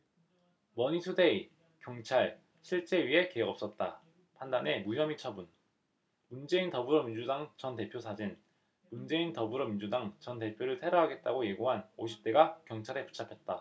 머니투데이 경찰 실제 위해 계획 없었다 판단해 무혐의 처분 문재인 더불어민주당 전 대표 사진 문재인 더불어민주당 전 대표를 테러하겠다고 예고한 오십 대가 경찰에 붙잡혔다